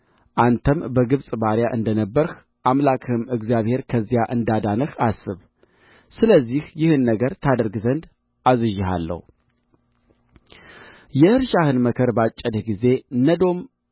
አንተም በግብፅ ባሪያ እንደ ነበርህ አምላክህም እግዚአብሔር ከዚያ እንዳዳነህ አስብ ስለዚህ ይህን ነገር ታደርግ ዘንድ አዝዤሃለሁ የእርሻህን መከር ባጨድህ ጊዜ ነዶም